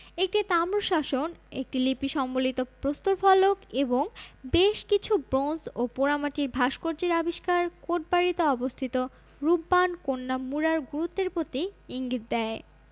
একটি তাম্রশাসন একটি লিপি সম্বলিত প্রস্তর ফলক এবং বেশ কিছু ব্রোঞ্জ ও পোড়ামাটির ভাস্কর্যের আবিষ্কার কোটবাড়িতে অবস্থিত রূপবান কন্যা মুড়ার গুরুত্বের প্রতি ইঙ্গিত দেয়